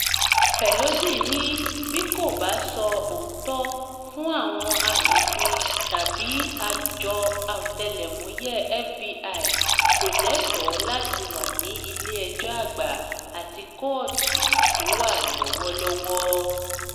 Pelosí ní “Bi kò bá sọ òótọ́ fún àwọn aṣòfin tàbí àjọ ọ̀tẹ̀lẹmúyẹ́ FBI, kò lẹ́tọ̀ọ́ láti wà ní ilé-ẹjọ́ Àgbà àti kọ́ọ̀tù tó wà lọ́wọ́lọ́wọ́ .”